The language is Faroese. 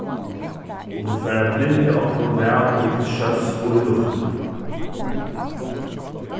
og vit fara at brynja okkum væl út til sjós og í luftini